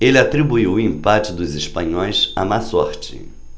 ele atribuiu o empate dos espanhóis à má sorte